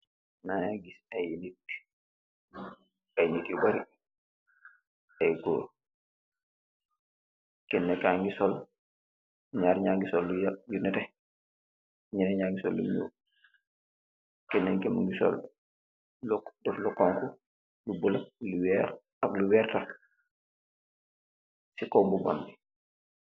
Maangy gis aiiy nitt, aiiy nit yu bari aiiy gorre, kenah kaangui sol, njarr nyangy sol lu nehteh, njenen yangy sol lu njull, kenen kii mungy sol luk, def lu honhu, lu bleu, lu wekh ak lu vertah chi kaw mbubam bi.